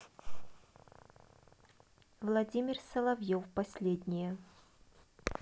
владимир соловьев последнее